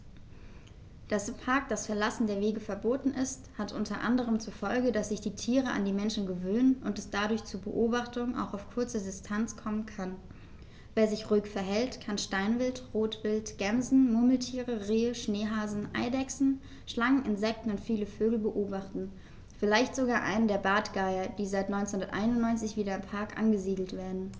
Dass im Park das Verlassen der Wege verboten ist, hat unter anderem zur Folge, dass sich die Tiere an die Menschen gewöhnen und es dadurch zu Beobachtungen auch auf kurze Distanz kommen kann. Wer sich ruhig verhält, kann Steinwild, Rotwild, Gämsen, Murmeltiere, Rehe, Schneehasen, Eidechsen, Schlangen, Insekten und viele Vögel beobachten, vielleicht sogar einen der Bartgeier, die seit 1991 wieder im Park angesiedelt werden.